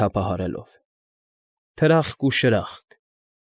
Թափահարելով. Թրախկ ու շրախկ։